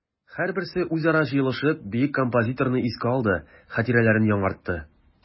Һәрберсе үзара җыелышып бөек композиторны искә алды, хатирәләрен яңартты.